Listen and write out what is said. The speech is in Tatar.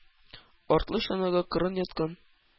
Артлы чанага кырын яткан,